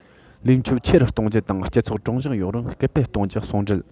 ལས ཆོད ཆེ རུ གཏོང རྒྱུ དང སྤྱི ཚོགས དྲང གཞག ཡོང བར སྐུལ སྤེལ གཏོང རྒྱུ ཟུང འབྲེལ